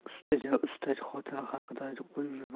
ustiga ustak xotini haqidagi qo'yib yuborgan